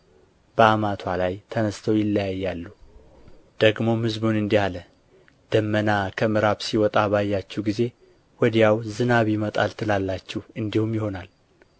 በአማትዋ ላይ ተነሥተው ይለያያሉ ደግሞም ሕዝቡን እንዲህ አለ ደመና ከምዕራብ ሲወጣ ባያችሁ ጊዜ ወዲያው ዝናብ ይመጣል ትላላችሁ እንዲሁም ይሆናል